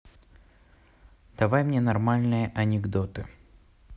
давай мне нормальные анекдоты